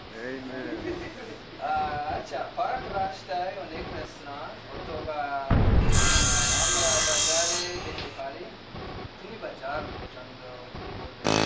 আচ্ছা পার্ক রাস্তায় অনেক রেস্তরেন্ট অথবা আমরা বাজারে যেতে পারি তুমি বাজার পছন্দ করবে